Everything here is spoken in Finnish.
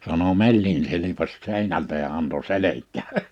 sanoi mellin silpaisi seinältä ja antoi selkään